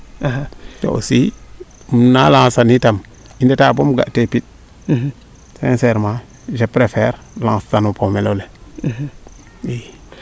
to aussi naa lance an itam i ndeta bom ga tee tig sincerement je prefere lance tan o pomelo le